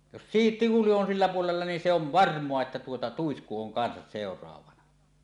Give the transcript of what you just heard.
jos - tihuli on sillä puolella niin se on varmaa että tuota tuisku on kanssa seuraavana